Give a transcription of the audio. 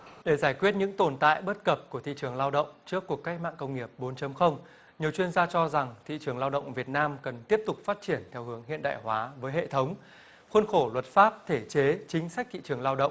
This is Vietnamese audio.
để giải quyết những tồn tại bất cập của thị trường lao động trước cuộc cách mạng công nghiệp bốn chấm không nhiều chuyên gia cho rằng thị trường lao động việt nam cần tiếp tục phát triển theo hướng hiện đại hóa với hệ thống khuôn khổ luật pháp thể chế chính sách thị trường lao động